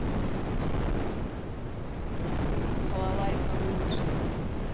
балалайка лучший